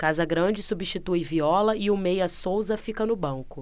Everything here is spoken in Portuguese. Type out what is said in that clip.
casagrande substitui viola e o meia souza fica no banco